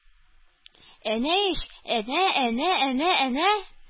-әнә ич, әнә, әнә, әнә, әнә!